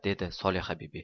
dedi solihabibi